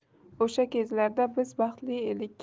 o'sha kezlarda biz baxtli edik